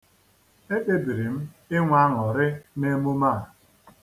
Ekpebiri m inwe aṅụrị n'emume a.